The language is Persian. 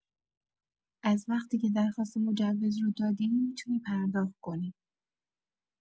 از وقتی که درخواست مجوز رو دادی می‌تونی پرداخت کنی